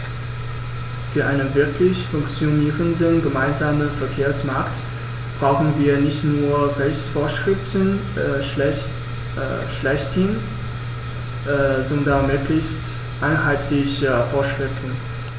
Für einen wirklich funktionierenden gemeinsamen Verkehrsmarkt brauchen wir nicht nur Rechtsvorschriften schlechthin, sondern möglichst einheitliche Vorschriften.